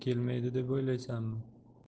kelmaydi deb o'ylaysanmi